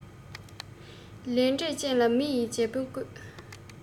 ལས འབྲས ཅན ལ མི ཡིས རྗེ དཔོན བསྐོས